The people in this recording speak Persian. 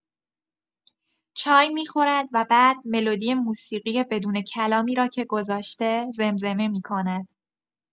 چای می‌خورد و بعد ملودی موسیقی بدون کلامی را که گذاشته، زمزمه می‌کند.